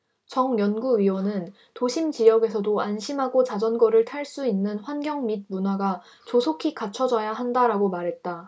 정 연구위원은 도심지역에서도 안심하고 자전거를 탈 수 있는 환경 및 문화가 조속히 갖춰줘야 한다라고 말했다